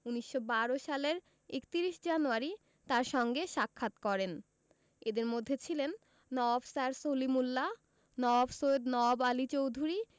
১৯১২ সালের ৩১ জানুয়ারি তাঁর সঙ্গে সাক্ষাৎ করেন এঁদের মধ্যে ছিলেন নওয়াব স্যার সলিমুল্লাহ নওয়াব সৈয়দ নওয়াব আলী চৌধুরী